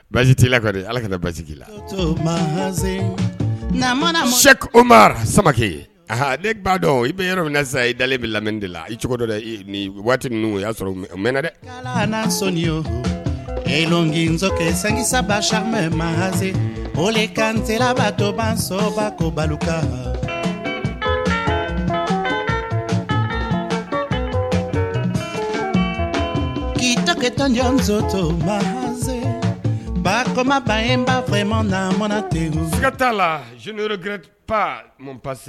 Basi t la ka ala ka basi' la ma mana se o ma saba ne b ba dɔn i bɛ yɔrɔ min sa i dalen bɛ lamɛn de la i cogo dɔ nin waati ninnu o y'a sɔrɔ mɛn dɛ sɔnni ye e san sababa sa mase o de ka serabatoba soba ko baloka itɔkɛ tanjto ma bamaba n b'a fɔ i ma la mana ten n ka taa la z pase